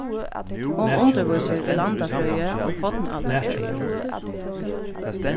hon undirvísir í landafrøði og fornaldarfrøði